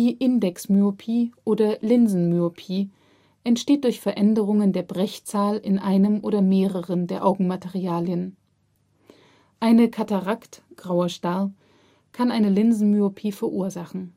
Indexmyopie oder Linsenmyopie entsteht durch Veränderungen der Brechzahl in einem oder mehreren der Augenmaterialien. Eine Katarakt (Grauer Star) kann eine Linsenmyopie verursachen